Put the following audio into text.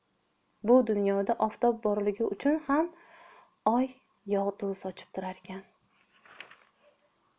bu dunyoda oftob borligi uchun ham oy yog'du sochib turarkan